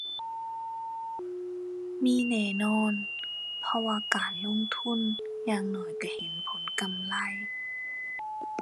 มีแน่นอน เพราะว่าการลงทุนอย่างน้อยก็เห็นผลกำไร